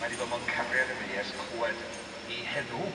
Mae 'di bod mewn cariad efo hi ers clwed 'i henw.